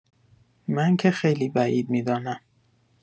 من که خیلی بعید می‌دانم.